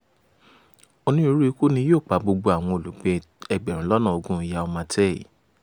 Onírúurú ikú ni yóò pa gbogbo àwọn olùgbée 20,000 Yau Ma Tei.